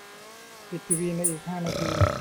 ปิดทีวีในอีกห้านาที